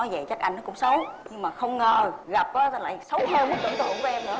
thì thằng anh nó cũng xấu nhưng mà không ngờ gặp á nó lại xấu hơn mức tưởng tượng của em nữa